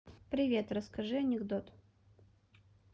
привет расскажи анекдот